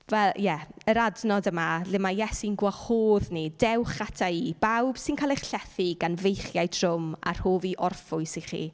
Fe- ie... yr adnod yma, le ma' Iesu'n gwahodd ni, "Dewch ata i, bawb sy'n cael eich llethu gan feichiau trwm a rhof i orffwys i chi."